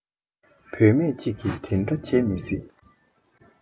བུད མེད ཅིག གི འདི འདྲ བྱེད མི སྲིད